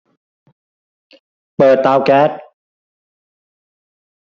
เปิดเตาแก๊ส